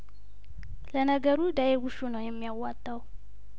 ለነገሩ ዳኤ ቡሹ ነው የሚያዋጣው